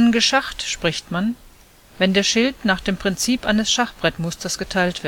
geschacht “spricht man, wenn der Schild nach dem Prinzip eines Schachbrettmusters geteilt